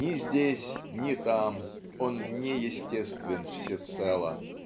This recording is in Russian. ни здесь, ни там он не естествен всецело.